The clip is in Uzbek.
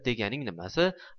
deganing nimasi